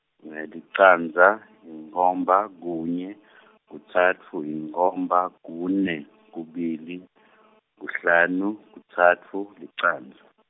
licandza, yinkomba, kunye , kutsatfu, yinkomba, kune, kubili, kuhlanu, kutsatfu, licandza.